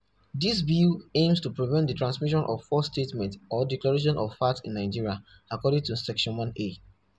This bill aims to "[prevent] the transmission of false statements or declaration of facts in Nigeria", according to Section 1a.